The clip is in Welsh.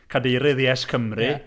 Cadeirydd YesCymru.